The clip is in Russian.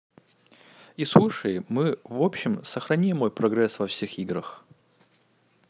и слушай мы в общем сохрани мой прогресс во всех играх